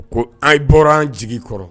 Ko a bɔra jigi kɔrɔ